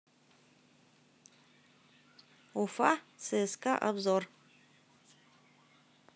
уфа цска обзор